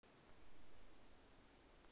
я не могу ничего сказать что я кашляю